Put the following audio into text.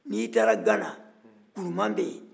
n'i taara gana kuruma bɛ yen